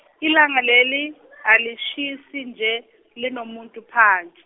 ilanga leli alishisi nje linomuntu phansi.